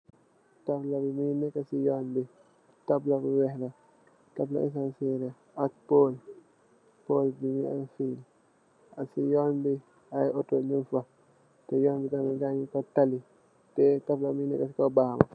Tabla bi munge nekah si yun tabla bu wekh la si yun bi tabla esanse serih munge am tali ak aye autor